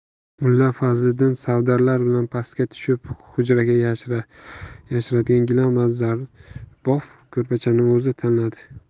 mulla fazliddin savdarlar bilan pastga tushib hujraga yarashadigan gilam va zarbof ko'rpachalarni o'zi tanladi